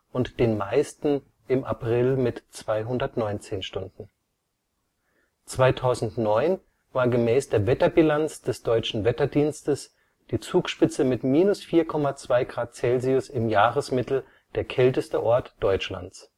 und den meisten im April mit 219 h. 2009 war gemäß der Wetterbilanz des Deutschen Wetterdienstes die Zugspitze mit −4,2 °C im Jahresmittel der kälteste Ort Deutschlands